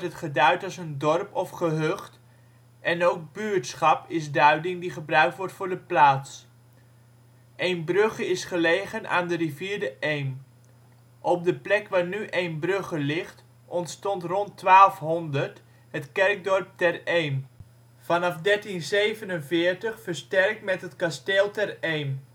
geduid als een dorp of gehucht, en ook buurtschap is duiding die gebruikt wordt voor de plaats. Eembrugge is gelegen aan de rivier de Eem. Op de plek waar nu Eembrugge ligt ontstond rond 1200 het kerkdorp Ter Eem, vanaf 1347 versterkt met het Kasteel Ter Eem